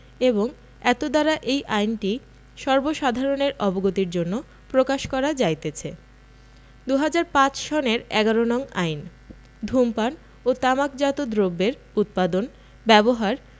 এবং এতদ্বারা এই আইনটি সর্বসাধারণের অবগতির জন্য প্রকাশ করা যাইতেছে ২০০৫ সনের ১১ নং আইন ধূমপান ও তামাকজাত দ্রব্যের উৎপাদন ব্যবহার